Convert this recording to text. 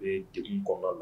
E d kɔnɔna na